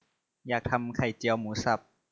อยากทำไข่เจียวหมูสับ